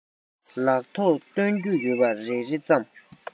ལག ཐོག སྟོན རྒྱུ ཡོད པ རེ རེ ཙམ